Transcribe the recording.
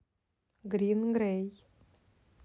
грин грей